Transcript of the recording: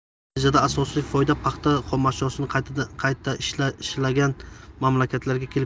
natijada asosiy foyda paxta xomashyosini qayta ishlagan mamlakatlarga kelib tushardi